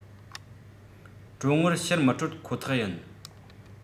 གྲོན དངུལ ཕྱིར མི སྤྲོད ཁོ ཐག ཡིན